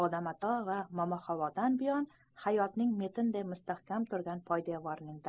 odam ato va momo havodan buyon hayotning metinday mustahkam turgan poydevorining